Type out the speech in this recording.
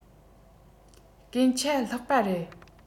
སྐད ཆ ལྷག པ རེད